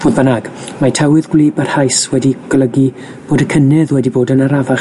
Fodd bynnag, mae tywydd gwlyb parhaus wedi golygu bod y cynnydd wedi bod yn arafach